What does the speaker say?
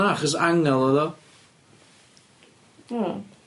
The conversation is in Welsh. Na, achos angel oedd o. Hmm.